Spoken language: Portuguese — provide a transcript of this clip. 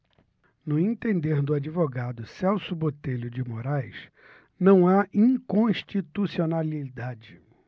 no entender do advogado celso botelho de moraes não há inconstitucionalidade